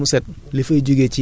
bu ma ko dajalee